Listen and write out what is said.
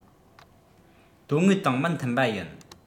དོན དངོས དང མི མཐུན པ ཡིན